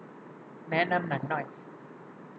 แนะนำหนังหน่อย